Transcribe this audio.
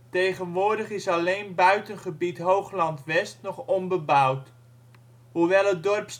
Tegenwoordig is alleen Buitengebied Hoogland-West nog onbebouwd. Hoewel het dorp